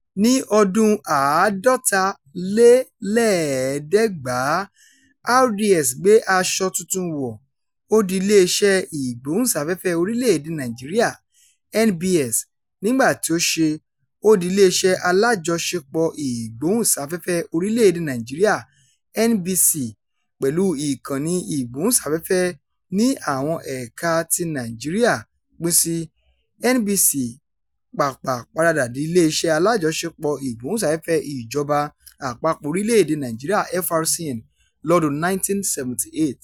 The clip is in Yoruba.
Ní ọdún-un 1950, RDS gbé aṣọ tuntun wọ̀ — ó di Iléeṣẹ́ Ìgbóhùnsáfẹ́fẹ́ Orílẹ̀-èdèe Nàìjíríà (NBS) — nígbà tí ó ṣe, ó di Iléeṣẹ́ Alájọṣepọ̀ Ìgbóhùnsáfẹ́fẹ́ Orílẹ̀-èdèe Nàìjíríà (NBC), pẹ̀lú ìkànnì ìgbóhùnsáfẹ́fẹ́ ní àwọn ẹ̀ka tí Nàìjíríà pín sí. NBC pàpà paradà di Iléeṣẹ́ Alájọṣepọ̀ Ìgbóhùnsáfẹ́fẹ́ Ìjọba Àpapọ̀ Orílẹ̀-èdèe Nàìjíríà (FRCN) lọ́dún-un 1978.